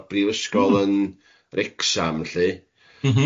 ### brifysgol yn Wrecsam, felly... M-hm